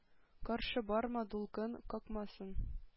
Каршы барма, дулкын какмасын“,